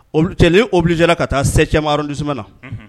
Cɛ obilina ka taa sɛ cɛman dis na